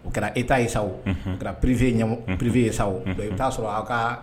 U kɛra e t ta ye sa kɛra pbife ɲa pripifee ye sa i t'a sɔrɔ a ka